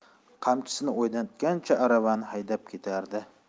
qamchisini o'ynatgancha aravani haydab ketardi